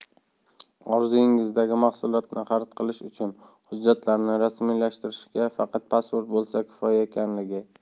orzungizdagi mahsulotni xarid qilish uchun hujjatlarni rasmiylashtirishga faqat pasport bo'lsa kifoya ekanligi